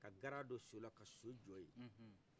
ka gara do sola ka so jɔye